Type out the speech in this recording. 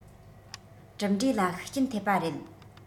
གྲུབ འབྲས ལ ཤུགས རྐྱེན ཐེབས པ རེད